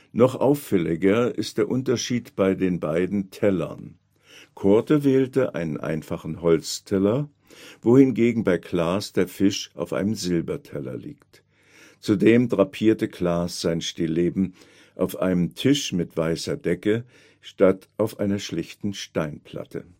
Noch auffälliger ist der Unterschied bei den beiden Tellern: Coorte wählte einen einfachen Holzteller, wohingegen bei Claesz der Fisch auf einem Silberteller liegt. Zudem drapierte Claesz sein Stillleben auf einem Tisch mit weißer Decke statt auf einer schlichten Steinplatte